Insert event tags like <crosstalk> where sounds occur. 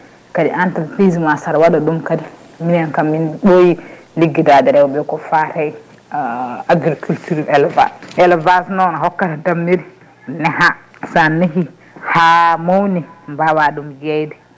kadi entreprise ma saɗa waɗa ɗum kadi minen kam min ɓooyi liggidade rewɓe ko fate <hesitation> agriculture éleva élevage noon hokkata dammel neeha sa neehi ha mawni mbawa ɗum yeeyde